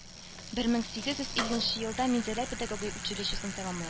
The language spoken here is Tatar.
Бер мең сигез йөз илленче елда Минзәлә педагогия училищесын тәмамлый